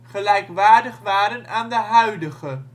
gelijkwaardig waren aan de huidige